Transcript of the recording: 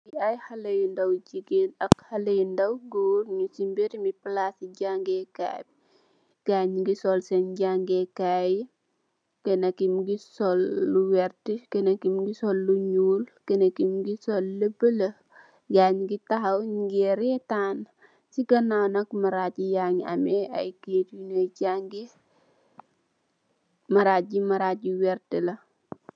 Fi ay haley ndaw jigéen ak ay haley ndaw gòor nung ci mbèreèm palaas su jàngeekaay. Guy nungi sol senn jàngay yi, kenna ki mungi sol lu vert, kenen ki mungi sol lu ñuul, kenen ki mungi sol lu bulo. Guy nungi tahaw nungè rètan. Ci ganaaw nak maraj ya ngi ameh gèej yu nu jangè, maraj yi, maraj yu vert la.